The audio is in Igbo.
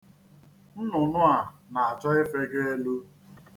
Nnụnụ a na-achọ ifego elu.